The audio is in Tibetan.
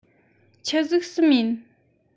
ཆི ཟིག གསུམ ཡིན